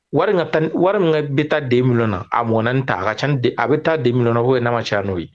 Wari min ka bɛ taa den min na a mɔn ta a ka ca di a bɛ taa den min na o ye n nama caya n'o ye